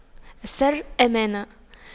السر أمانة